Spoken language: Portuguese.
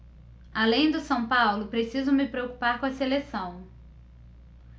além do são paulo preciso me preocupar com a seleção